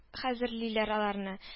Хәзерлиләр аларны